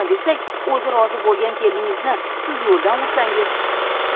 desak o'zi rozi bo'lgan keliningizni siz yo'ldan ursangiz